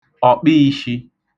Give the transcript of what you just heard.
ọ̀kpiīshī